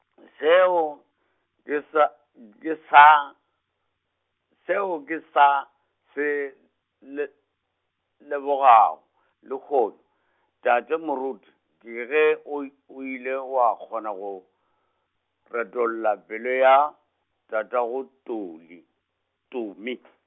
seo ke sa, ke sa, seo ke sa se l-, lebogago lehono, tate Moruti, ke ge o i, o ile wa kgona go, retolla pelo ya, tatago Tuli, Tumi.